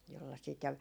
jolla sitä ja